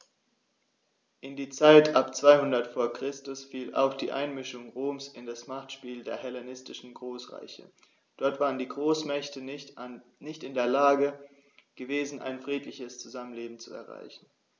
In die Zeit ab 200 v. Chr. fiel auch die Einmischung Roms in das Machtspiel der hellenistischen Großreiche: Dort waren die Großmächte nicht in der Lage gewesen, ein friedliches Zusammenleben zu erreichen.